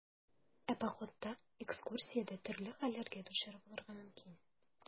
Ә походта, экскурсиядә төрле хәлләргә дучар булырга мөмкин.